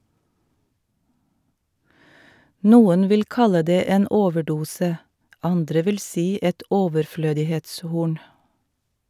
Noen vil kalle det en overdose, andre vil si et overflødighetshorn.